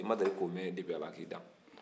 i ma deli ko mɛ depuis ala k'i dan